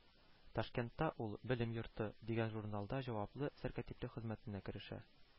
Ташкентта ул “Белем йорты” дигән журналда җаваплы сәркатиплек хезмәтенә керешә